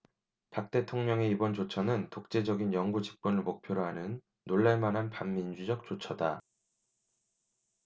박 대통령의 이번 조처는 독재적인 영구집권을 목표로 하는 놀랄 만한 반민주적 조처다